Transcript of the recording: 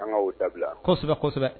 An'o dabila kɔ kosɛbɛ kosɛbɛ